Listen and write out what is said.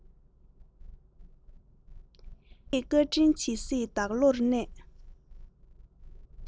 གང ཁྱེད བཀའ དྲིན ཇི སྲིད བདག བློར གནས